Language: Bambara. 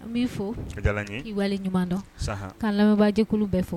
N' fɔ i ɲuman dɔn k'an lamɛnjɛkulu bɛ fɔ